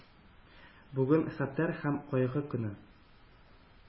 Бүген – Хәтер һәм кайгы көне.